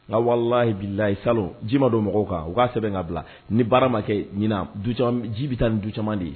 Nga walayi bilaye salon ji ma don mɔgɔw kan? U ka sɛbɛn ka bila ni baara ma kɛ ɲinan ji bi taa ni du caman ye